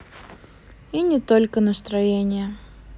и не только настроение